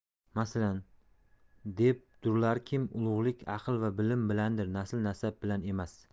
masalan debdurlarkim ulug'lik aql va bilim bilandir nasl nasab bilan emas